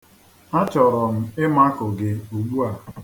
Achọrọ m ịmakụ gị ugbu a.